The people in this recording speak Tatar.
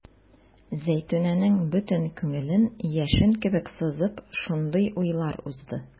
Зәйтүнәнең бөтен күңелен яшен кебек сызып шундый уйлар узды.